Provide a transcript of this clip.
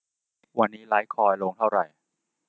วันนี้ไลท์คอยน์ลงเท่าไหร่